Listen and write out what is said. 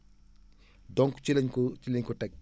donc ci lañ ko ci lañ ko teg